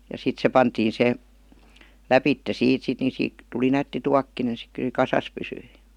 ja sitten se pantiin se lävitse siitä sitten niin siitä tuli nätti tuokkonen sitten kyllä se kasassa pysyi